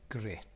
Grêt.